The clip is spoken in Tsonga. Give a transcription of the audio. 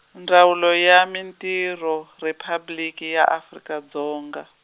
Ndzawulo ya Mintirho, Riphabliki ya Afrika Dzonga.